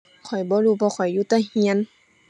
ข้อยบ่รู้ เพราะข้อยอยู่แต่เรือน